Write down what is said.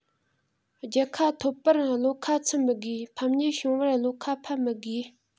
རྒྱལ ཁ ཐོབ པར བློ ཁ ཚིམ མི དགོས ཕམ ཉེས བྱུང བར བློ ཁ ཕམ མི དགོས